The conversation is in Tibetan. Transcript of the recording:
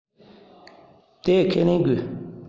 དེ ཁས ལེན དགོས